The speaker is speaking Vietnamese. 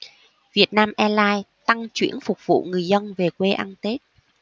vietnam airlines tăng chuyển phục vụ người dân về quê ăn tết